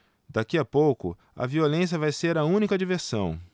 daqui a pouco a violência vai ser a única diversão